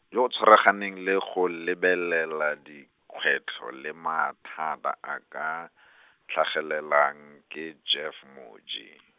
yo o tshwaraganeng le go lebelela dikgwetlho le mathata a ka, tlhagelelang ke Jeff Moji.